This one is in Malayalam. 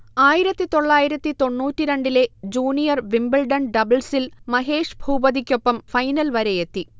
ആയിരത്തി തൊള്ളായിരത്തി തൊണ്ണൂറ്റി രണ്ടിലെ ജൂനിയർ വിംബിൾഡൺ ഡബിൾസിൽ മഹേഷ് ഭൂപതിക്കൊപ്പം ഫൈനൽ വരെയെത്തി